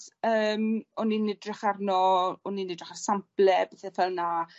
yym o'n i'n idrych arno, o'n i'n idrych ar sample pethe ffel 'na